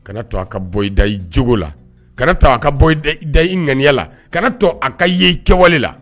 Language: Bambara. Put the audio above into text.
Kan'a to a ka bɔ i da i cogo la, kan'a to a ka da i ŋaniya la, kan'a to a ka ye i kɛwale la